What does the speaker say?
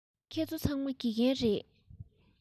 ཁྱེད ཚོ ཚང མ དགེ རྒན རེད